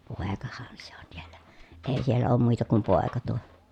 poikahan se on siellä ei siellä ole muita kuin poika tuo